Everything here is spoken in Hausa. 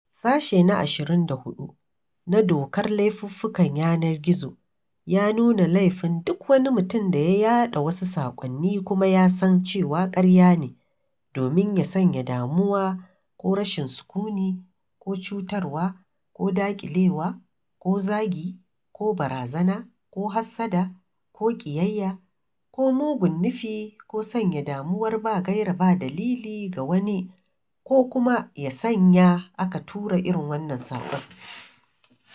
Sashe na 24 na Dokar Laifuffukan Yanar gizo ya nuna laifin "duk wani mutum da ya yaɗa wasu saƙonni kuma ya san cewa ƙarya ne, domin ya sanya damuwa ko rashin sukuni ko cutarwa ko daƙilewa ko zagi ko barazana ko hassada ko ƙiyayya ko mugun nufi ko sanya damuwar ba gaira ba dalili ga wani ko kuma ya sanya aka tura irin wannan saƙon."